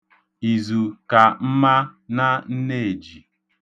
Izu ka mma na nneeji.